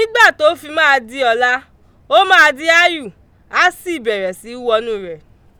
Nígbà tó fi máa di ọ̀la, ó máa di aáyù, á sì bẹ̀rẹ̀ sí í wọnú u rẹ̀.